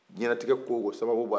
diɲɛlatigɛ ko o ko sababu b'a la